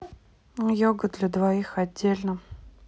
йога для двоих отдельно